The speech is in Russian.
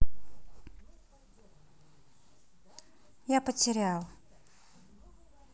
я потерял